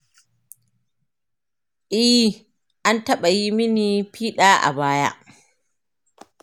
eh, an taɓa yi mini fiɗa a baya